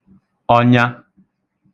ọnya